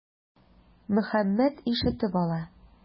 Мөхәммәт ишетеп ала.